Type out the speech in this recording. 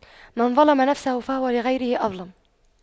من ظَلَمَ نفسه فهو لغيره أظلم